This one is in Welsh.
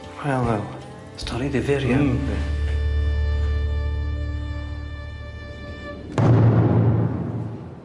Wel, wel, stori ddifyr iawn. Hmm.